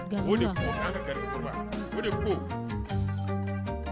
De ko